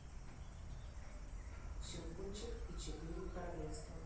щелкунчик и четыре королевства